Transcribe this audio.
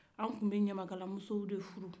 an kun bɛ ɲamakal musow de furu